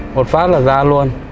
một phát là ra luôn